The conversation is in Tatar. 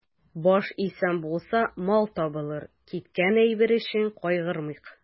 Баш исән булса, мал табылыр, киткән әйбер өчен кайгырмыйк.